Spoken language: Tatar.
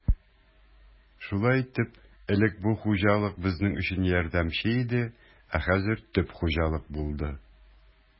Шулай итеп, элек бу хуҗалык безнең өчен ярдәмче иде, ә хәзер төп хуҗалык булды.